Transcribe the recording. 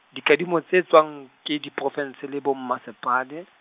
dikadimo tse etswang ke diprovinse le bo Mmasepala.